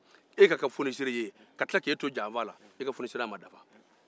e ka kɛ fonisere ye ka tila k'e to janfa la e ka fonisereya ma dafa